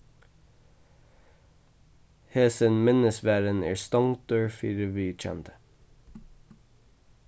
hesin minnisvarðin er stongdur fyri vitjandi